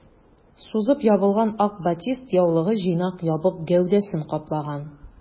Сузып ябылган ак батист яулыгы җыйнак ябык гәүдәсен каплаган.